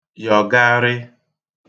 yọ̀garị